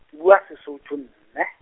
ke bua Sesotho, mme.